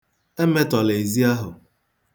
Emetọla ezi ahụ.